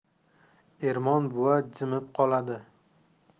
ermon buva jimib qoladi